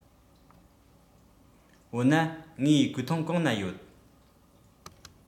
འོ ན ངའི གོས ཐུང གང ན ཡོད